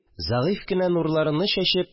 Зәгыйфь кенә нурларыны чәчеп